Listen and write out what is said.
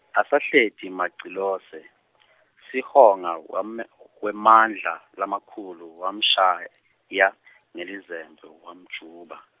asahleti Macilose, Sihonga wame- wemandla lamakhulu, wamshaya ngelizembe wamjuba.